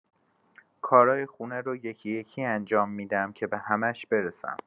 کارای خونه رو یکی‌یکی انجام می‌دم که به همه‌ش برسم.